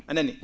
a nanii